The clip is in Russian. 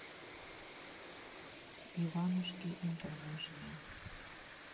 иванушки интернейшнл